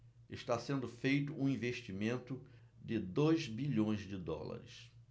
está sendo feito um investimento de dois bilhões de dólares